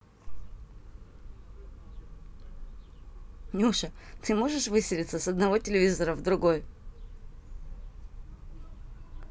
nyusha ты можешь веселиться одного телевизора другой